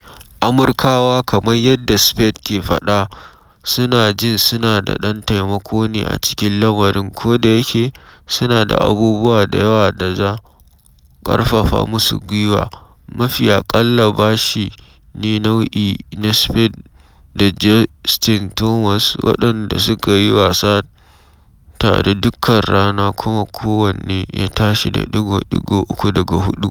Amurkawa, kamar yadda Spieth ke faɗa, suna jin suna da ɗan taimako ne a cikin lamarin kodayake suna da abubuwa da yawa da za ƙarfafa musu gwiwa, mafi aƙalla ba shi ne nau’i na Spieth da Justin Thomas waɗanda suka yi wasa tare dukkan rana kuma kowanne ya tashi da ɗigo-ɗigo uku daga huɗu.